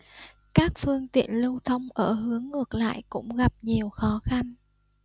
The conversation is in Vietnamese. các phương tiện lưu thông ở hướng ngược lại cũng gặp nhiều khó khăn